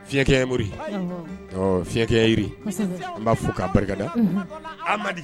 Fiɲɛkɛ fiɲɛkɛ b'a fɔ'a barika